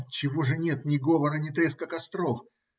Отчего же нет ни говора, ни треска костров?